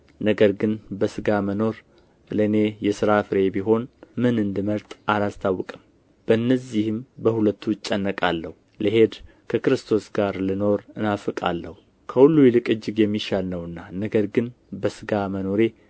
ነገር ግን በስጋ መኖር ለእኔ የሥራ ፍሬ ቢሆን ምን እንድመርጥ ኣላስታውቅም በእነዚህም በሁለቱ እጨነቃለሁ ልሄድ ከክርስቶስም ጋር ልኖር እናፍቃለሁ ከሁሉ ይልቅ እጅግ የሚሻል ነውና ነገር ግን በሥጋ መኖሬ